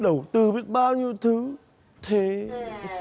đầu tư biết bao nhiêu thứ thế